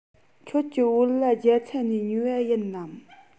ཁྱེད ཀྱི བོད ལྭ རྒྱ ཚ ནས ཉོས པ ཡིན ནམ